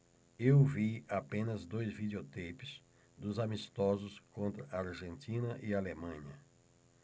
eu vi apenas dois videoteipes dos amistosos contra argentina e alemanha